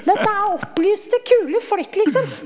dette er opplyste, kule folk liksom.